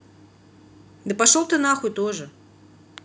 да пошел ты нахуй тоже